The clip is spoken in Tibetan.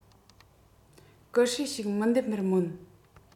སྐུ སྲས ཞིག མི འདེམ པར སྨོན